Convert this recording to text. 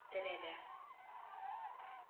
Терәлә